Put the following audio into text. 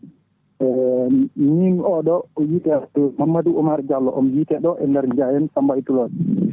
oko miñum oɗo o wiite Mamadou Oumar Diallo omo yiite ɗo e nder Diawen Samba *